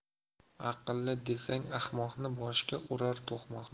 aqlli desang ahmoqni boshga urar to'qmoqni